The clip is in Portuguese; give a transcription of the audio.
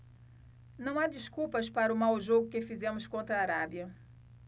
não há desculpas para o mau jogo que fizemos contra a arábia